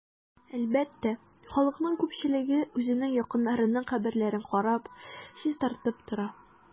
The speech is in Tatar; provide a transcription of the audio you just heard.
Әлбәттә, халыкның күпчелеге үзләренең якыннарының каберлекләрен карап, чистартып тора.